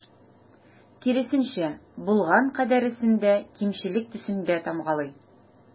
Киресенчә, булган кадәресен дә кимчелек төсендә тамгалый.